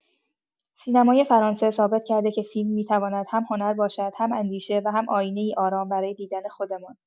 سینمای فرانسه ثابت کرده که فیلم می‌تواند هم هنر باشد، هم اندیشه، و هم آینه‌ای آرام برای دیدن خودمان.